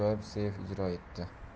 ajoyib seyf ijro etdi